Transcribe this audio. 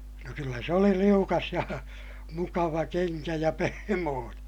no kyllä se oli liukas ja mukava kenkä ja pehmoinen